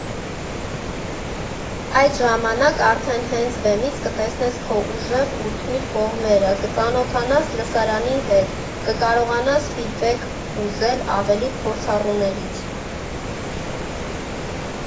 Այդ ժամանակ արդեն հենց բեմից կտեսնես քո ուժեղ ու թույլ կողմերը, կծանոթանաս լսարանի հետ, կկարողանաս ֆիդբեք ուզել ավելի փորձառուներից։